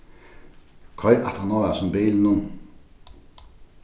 koyr aftan á hasum bilinum